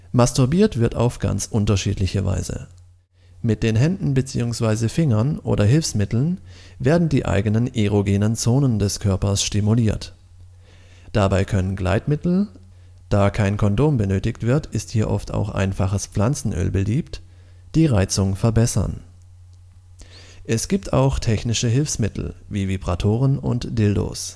Masturbiert wird auf ganz unterschiedliche Weise. Mit den Händen bzw. Fingern oder Hilfsmitteln werden die eigenen erogenen Zonen des Körpers stimuliert. Dabei können Gleitmittel (da kein Kondom benötigt wird, ist hier auch einfaches Pflanzenöl beliebt) die Reizung verbessern. Es gibt auch technische Hilfsmittel wie Vibratoren und Dildos